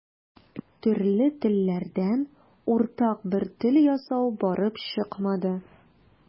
Төрле телләрдән уртак бер тел ясау барып чыкмады.